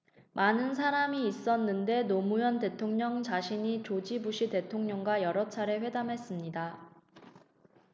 많은 사람이 있었는데 노무현 대통령 자신이 조지 부시 대통령과 여러 차례 회담했습니다